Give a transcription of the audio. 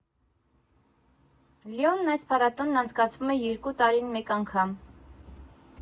Լիոնի այս փառատոնն անցկացվում է երկու տարին մեկ անգամ։